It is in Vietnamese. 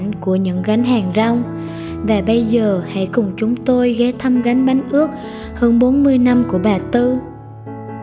hình ảnh của những gánh hàng rong và bây giờ hãy cùng chúng tôi ghé thăm bánh ướt hơn năm của bà tư